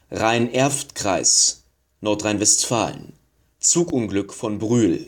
Rhein-Erft-Kreis, NRW: Zugunglück von Brühl